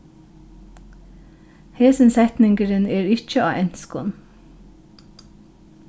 hesin setningurin er ikki á enskum